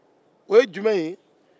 o ye jumɛn ye